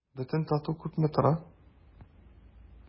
Бөтен тату күпме тора?